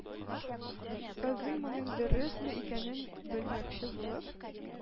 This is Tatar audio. Казый, моның дөресме икәнен белмәкче булып: